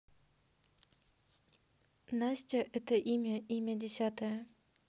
настя это имя имя десятая